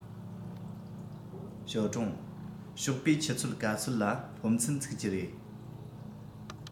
ཞའོ ཀྲུང ཞོགས པའི ཆུ ཚོད ག ཚོད ལ སློབ ཚན ཚུགས ཀྱི རེད